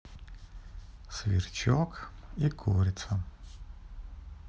сверчок и курица